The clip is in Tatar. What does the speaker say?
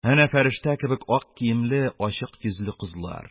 Әнә фәрештә кебек ак киемле, ачык йөзле кызлар..